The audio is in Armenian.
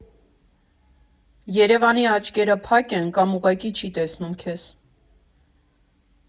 Երևանի աչքերը փակ են կամ ուղղակի չի տեսնում քեզ։